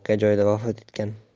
voqea joyida vafot etgan